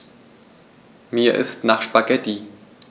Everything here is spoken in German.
Mir ist nach Spaghetti.